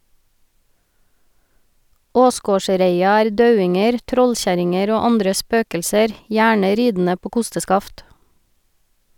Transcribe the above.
Åsgårdsreia er daudinger, trollkjerringer, og andre spøkelser , gjerne ridende på kosteskaft.